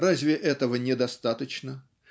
разве этого не достаточно